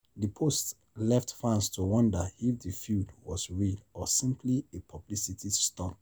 The post left fans to wonder if the feud was real or simply a publicity stunt: